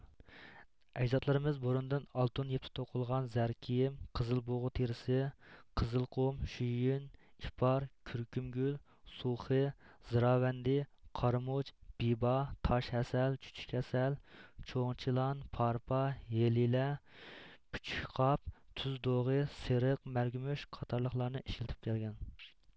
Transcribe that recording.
ئەجدادلىرىمىز بۇرۇندىن ئالتۇن يىپتا توقۇلغان زەر كىيىم قىزىل بۇغا تېرىسى قىزىل قۇم شۈييىن ئىپار كۈركۈم گۈل سۇخې زىراۋەندى قارامۇچ بىبا تاش ھەسەل چۈچۈك ھەسەل چوڭ چىلان پارپا ھېلىلە پۈچۈك قاپ تۈز دۇغى سېرىق مەرگىمۇش قاتارلىقلارنى ئىشلىتىپ كەلگەن